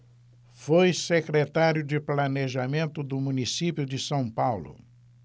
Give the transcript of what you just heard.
foi secretário de planejamento do município de são paulo